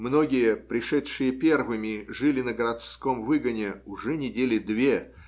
Многие, пришедшие первыми, жили на городском выгоне уже недели две